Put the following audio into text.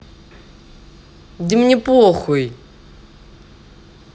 да мне похуй